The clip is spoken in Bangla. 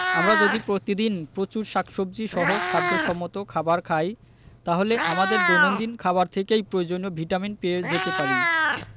আমরা যদি প্রতিদিন প্রচুর শাকসবজী সহ স্বাস্থ্য সম্মত খাবার খাই তাহলে আমাদের দৈনন্দিন খাবার থেকেই প্রয়োজনীয় ভিটামিন পেয়ে যেতে পারি